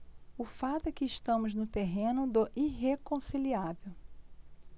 o fato é que estamos no terreno do irreconciliável